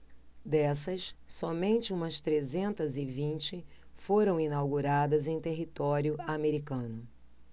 dessas somente umas trezentas e vinte foram inauguradas em território americano